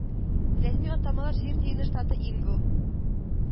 Рәсми атамалар Җир тиене штаты ингл